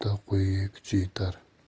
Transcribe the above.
bitta qo'yga kuchi yetar